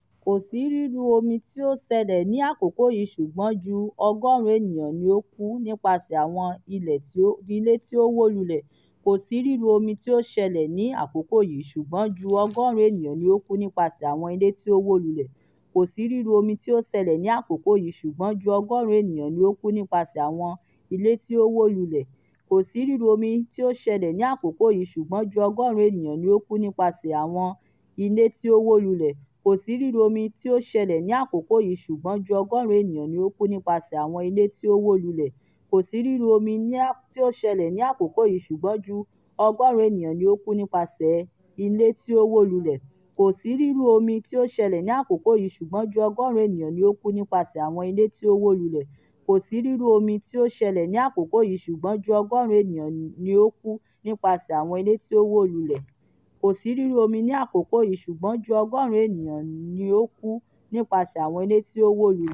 Ko si riru omi ti o ṣẹlẹ ni akoko yii, ṣugbọn ju 100 eniyan ni o ku nipasẹ awọn ile ti o wo lulẹ.